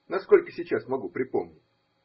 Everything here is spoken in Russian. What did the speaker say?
насколько сейчас могу припомнить.